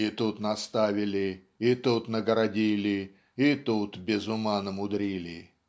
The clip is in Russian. "и тут наставили, и тут нагородили, и тут без ума намудрили".